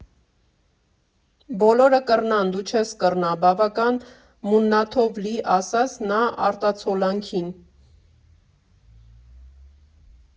«Բոլորը կռնան, դու չե՞ս կռնա», բավական մուննաթով լի ասաց նա արտացոլանքին։